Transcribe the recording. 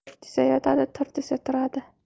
yot desa yotadi tur desa turadi